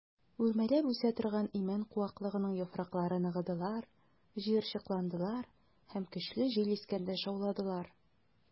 Үрмәләп үсә торган имән куаклыгының яфраклары ныгыдылар, җыерчыкландылар һәм көчле җил искәндә шауладылар.